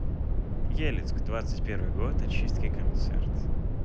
елецк двадцать первый год очистки концерт